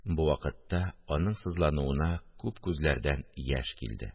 Бу вакытта аның сызлануына күп күзләрдән яшь килде